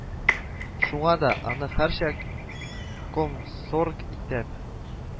Шуңа да аны һәрчак ком сорг итеп